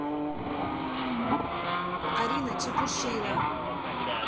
арина чепушила